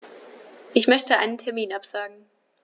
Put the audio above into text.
Ich möchte einen Termin absagen.